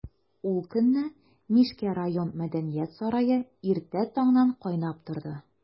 Ул көнне Мишкә район мәдәният сарае иртә таңнан кайнап торды.